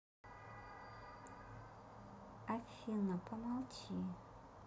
афина помолчи